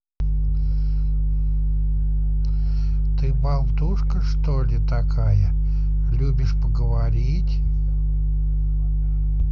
ты болтушка что ли такая любишь поговорить